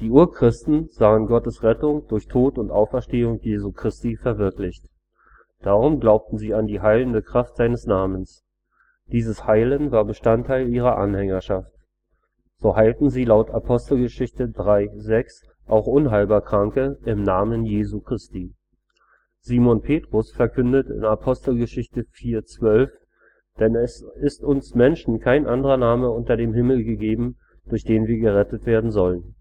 Urchristen sahen Gottes Rettung durch Tod und Auferstehung Jesu Christi verwirklicht. Darum glaubten sie an die heilende Kraft seines Namens. Dieses Heilen war Bestandteil ihrer Anhängerschaft. So heilten sie laut Apg 3,6 EU auch unheilbar Kranke „ im Namen Jesu Christi “. Simon Petrus verkündet in Apg 4,12 EU: „ Denn es ist uns Menschen kein anderer Name unter dem Himmel gegeben, durch den wir gerettet werden sollen